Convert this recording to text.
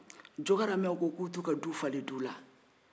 diyɔrɔmɛw ko k'u t'u ka du falen du la